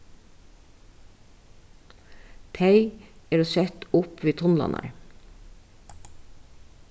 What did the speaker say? tey eru sett upp við tunlarnar